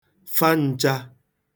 fa n̄chā